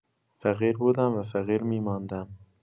فقیر بودم و فقیر می‌ماندم.